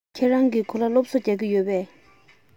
ཁྱེད རང གིས ཁོ ལ སློབ གསོ རྒྱག གི ཡོད པས